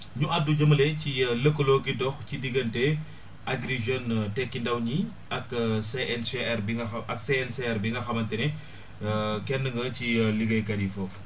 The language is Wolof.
ñu àddu jëmale ci lëkkaloo gi dox ci diggante Agri Jeunes Tekki ndaw ñi ak CNCR bi nga xa ak CNCR bi nga xamante ne kenn nga ci liggéeykat yi foofu